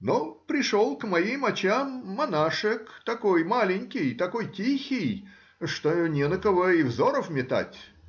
Но пришел к моим очам монашек такой маленький, такой тихий, что не на кого и взоров метать